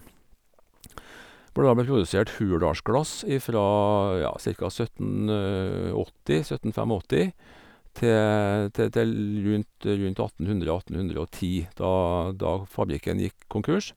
Hvor det da ble produsert Hurdalsglass ifra, ja, cirka søttenåtti, søtten fem og åtti, te te til rundt rundt atten hundre, atten hundre og ti, da da fabrikken gikk konkurs.